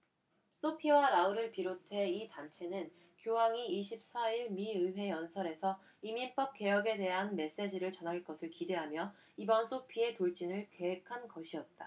소피와 라울을 비롯해 이 단체는 교황이 이십 사 일 미 의회 연설에서 이민법 개혁에 대한 메시지를 전할 것을 기대하며 이번 소피의 돌진을 계획한 것이었다